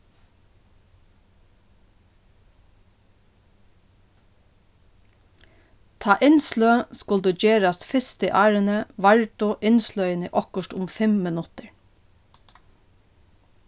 tá innsløg skuldu gerast fyrstu árini vardu innsløgini okkurt um fimm minuttir